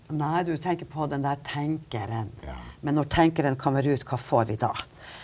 nei du tenker på den der Tenkeren, men når Tenkeren kommer ut hva får vi da?